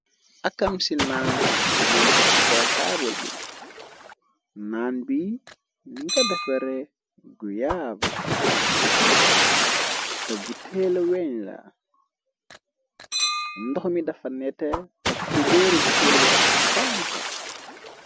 Akam ci naan leen tox ci taabal bi naan bi li nga defare guyava te bu teel wenla ndox mi dafa nete tokku beeru bu teel bi dafa xonxa.